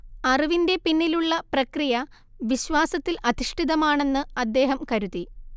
അറിവിന്റെ പിന്നിലുള്ള പ്രക്രിയ, വിശ്വാസത്തിൽ അധിഷ്ഠിതമാണെന്ന് അദ്ദേഹം കരുതി